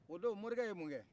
o don morikɛ ye mun kɛ